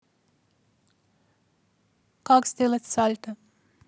как сделать сальто